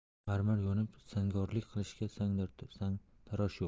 marmar yo'nib sangkorlik qilishga sangtarosh yo'q